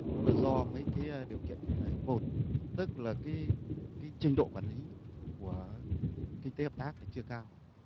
đó là do mấy kí a điều kiện như này một tức là kí kí trình độ quản lý của kinh tế hợp tác thì chưa cao